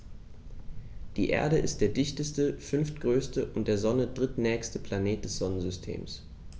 Die Erde ist der dichteste, fünftgrößte und der Sonne drittnächste Planet des Sonnensystems.